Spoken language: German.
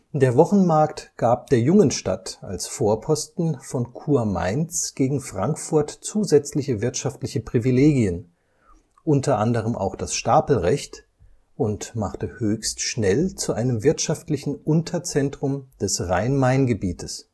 Der Wochenmarkt gab der jungen Stadt als Vorposten von Kurmainz gegen Frankfurt zusätzliche wirtschaftliche Privilegien, unter anderem auch das Stapelrecht, und machte Höchst schnell zu einem wirtschaftlichen Unterzentrum des Rhein-Main-Gebietes